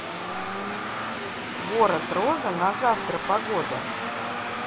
город роза на завтра погода